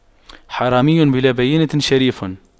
حرامي بلا بَيِّنةٍ شريف